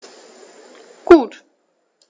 Gut.